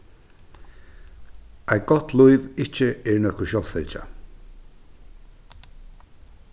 eitt gott lív ikki er nøkur sjálvfylgja